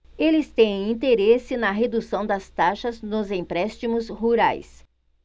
eles têm interesse na redução das taxas nos empréstimos rurais